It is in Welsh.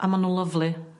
A ma' n'w lyfli.